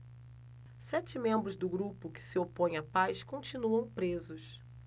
sete membros do grupo que se opõe à paz continuam presos